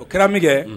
O kɛra min kɛ